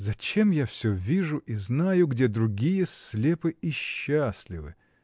зачем я всё вижу и знаю, где другие слепы и счастливы?